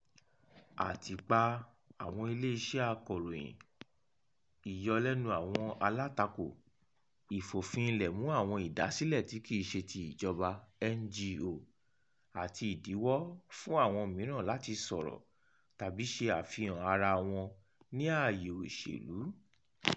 Àtìpa àwọn Ilé-iṣẹ́ Akọ̀ròyìn, ìyọlẹ́nu àwọn alátakò, ìfòfinlílẹ̀ mú àwọn ìdásílẹ̀ tí kì í ṣe ti ìjọba (NGOs) àti ìdiwọ́ fún àwọn mìíràn láti sọ̀rọ̀ tàbí ṣe àfihàn ara wọn ní ààyè òṣèlú.